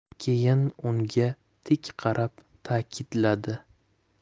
keyin unga tik qarab ta'kidladi